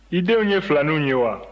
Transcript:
i denw ye filaninw ye wa